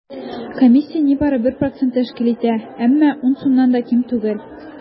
Комиссия нибары 1 процент тәшкил итә, әмма 10 сумнан ким түгел.